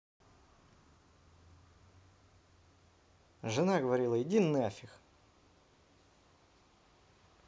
закрой свою мочалку